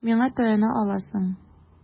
Миңа таяна аласың.